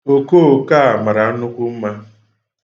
Okooko a mara nnukwu mma.